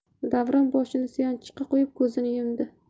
davron boshini suyanchiqqa qo'yib ko'zini yumdi